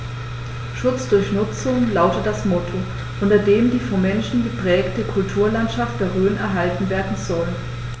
„Schutz durch Nutzung“ lautet das Motto, unter dem die vom Menschen geprägte Kulturlandschaft der Rhön erhalten werden soll.